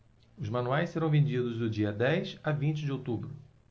os manuais serão vendidos do dia dez a vinte de outubro